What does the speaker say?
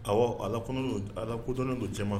Ɔ ala ala kodɔn ko cɛma